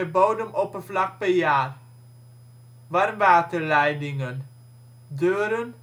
bodemoppervlak per jaar warmwaterleidingen deuren